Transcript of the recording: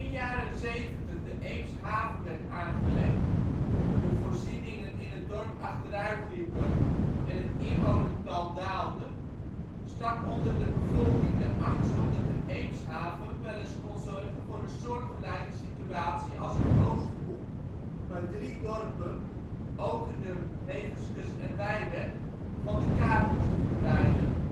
jaren zeventig de Eemshaven werd aangelegd, de voorzieningen in het dorp achteruitliepen en het inwonertal daalde, stak onder de bevolking de angst op dat de Eemshaven wel eens kon zorgen voor een soortgelijke situatie als in de Oosterhoek, waar drie dorpen (Oterdum, Heveskes en Weiwerd) van de kaart moesten verdwijnen